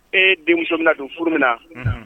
E denmuso bɛna kun furu min na